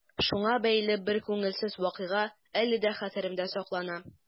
Шуңа бәйле бер күңелсез вакыйга әле дә хәтеремдә саклана.